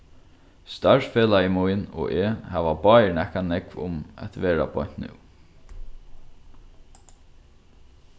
starvsfelagi mín og eg hava báðir nakað nógv um at vera beint nú